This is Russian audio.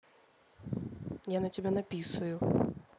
я на тебя написаю